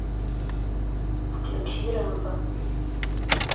включи рэмбо